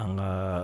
An ka